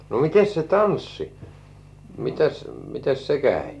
no mitenkäs se tanssi mitenkäs se kävi